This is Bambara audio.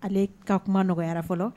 Ale ka kuma nɔgɔyayara fɔlɔ